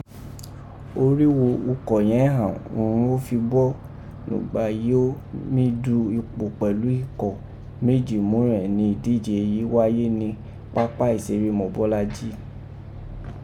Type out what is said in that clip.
Origho ikọ̀ yẹ̀n hàn òghun ó fi bọ́ nùgbà èyí ó mí dù ipo pẹlu ikọ̀ méjì múrẹ̀n ni idije yìí waye ni papa isere Mobọ́lájí.